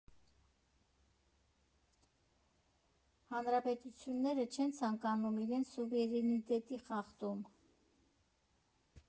Հանրապետությունները չեն ցանկանում իրենց սուվերենիտետի խախտում։